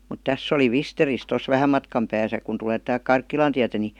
mutta tässä oli Visterissä tuossa vähän matkan päässä kun tulee - Karkkilan tietä niin